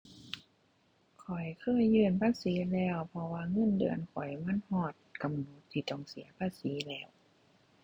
ข้อยเคยยื่นภาษีแล้ว เพราะว่าเงินเดือนข้อยมันฮอดกำ ที่ต้องเสียภาษีแล้ว